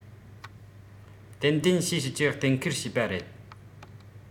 ཏན ཏན བྱེད ཤེས ཀྱི གཏན འཁེལ བྱས པ རེད